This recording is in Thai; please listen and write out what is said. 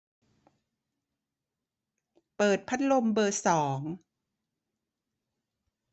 เปิดพัดลมเบอร์สอง